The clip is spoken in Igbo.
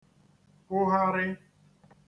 kwụgharị